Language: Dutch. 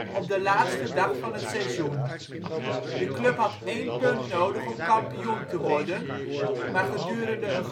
op de laatste dag van het seizoen. De club had één punt nodig om kampioen te worden, maar gedurende